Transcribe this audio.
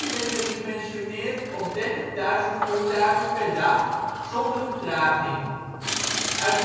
werd gedimensioneerd op 30 000 voertuigen per dag, zonder vertraging. Uit